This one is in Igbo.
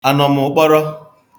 ànọ̀mụ̀kpọrọ